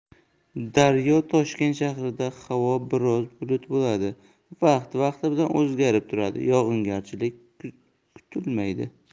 daryo toshkent shahrida havo biroz bulutli bo'ladi vaqti vaqti bilan o'zgarib turadi yog'ingarchilik kutilmaydi